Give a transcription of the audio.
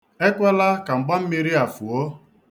Ekwela ka mgbammiri a fuo.